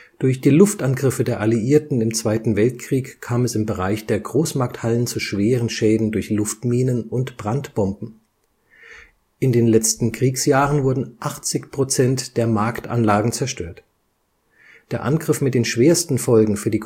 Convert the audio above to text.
Durch die Luftangriffe der Alliierten im Zweiten Weltkrieg kam es im Bereich der Großmarkthallen zu schweren Schäden durch Luftminen und Brandbomben. In den letzten Kriegsjahren wurden 80 Prozent der Marktanlagen zerstört. Der Angriff mit den schwersten Folgen für die